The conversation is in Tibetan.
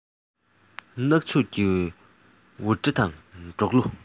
གནག ཕྱུགས ཀྱི ངུར སྒྲ དང འབྲོག གླུ